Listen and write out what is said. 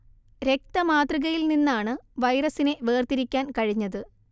രക്ത മാതൃകയിൽ നിന്നാണ് വൈറസിനെ വേർതിരിക്കാൻ കഴിഞ്ഞത്